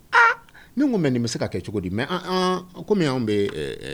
Aa min ko mɛn nin bɛ se ka kɛ cogo di mɛ kɔmi' bɛ